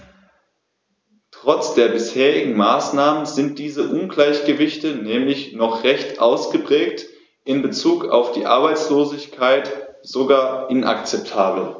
Trotz der bisherigen Maßnahmen sind diese Ungleichgewichte nämlich noch recht ausgeprägt, in bezug auf die Arbeitslosigkeit sogar inakzeptabel.